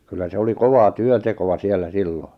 kyllä se oli kovaa työntekoa siellä silloin